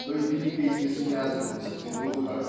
той великой несвязанности духа